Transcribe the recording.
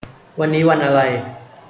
วันนี้วันอะไร